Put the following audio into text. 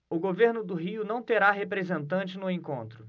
o governo do rio não terá representante no encontro